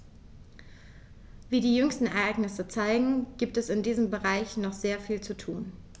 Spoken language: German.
Wie die jüngsten Ereignisse zeigen, gibt es in diesem Bereich noch sehr viel zu tun.